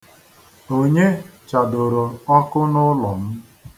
Onye chadoro ọkụ n'ụlọ m?